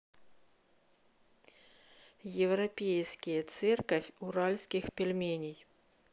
еврейские церковь уральских пельменей